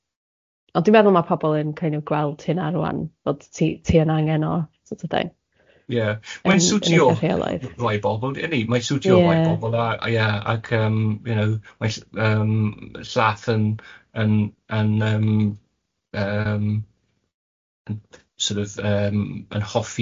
ond dwi'n meddwl ma' pobl yn kind of gweld hynna rŵan bod ti ti yn angen o sort of thing... Ie mae'n swtio rhai bobl... rheolaidd. ...yndi mae'n swtio... Ie. ...rhai bobl a ie ac yym you know mae ll- yym llath yn yn yn yym yym yn sort of yym yn hoffi